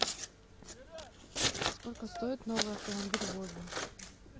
сколько стоит новый автомобиль volvo